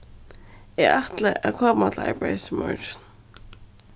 eg ætli at koma til arbeiðis í morgin